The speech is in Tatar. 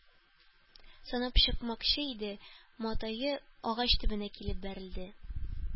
Санап чыкмакчы иде, матае агач төбенә килеп бәрелде.